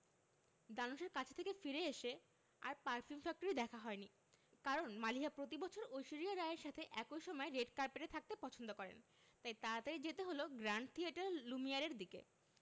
ধানুশের কাছে থেকে ফিরে এসে আর পারফিউম ফ্যাক্টরি দেখা হয়নি কারণ মালিহা প্রতিবছর ঐশ্বরিয়া রাই এর সাথে একই সময়ে রেড কার্পেটে থাকতে পছন্দ করেন তাই তাড়াতাড়ি যেতে হলো গ্র্যান্ড থিয়েটার লুমিয়ারের দিকে